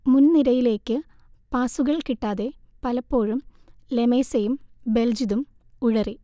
മുൻനിരയിലേക്ക് പാസുകൾ കിട്ടാതെ പലപ്പോഴും ലെമേസയും ബൽജിതും ഉഴറി